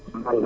fii ci